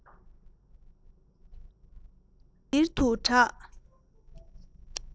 འབྲུག སྒྲ ལྡིར ལྡིར དུ གྲགས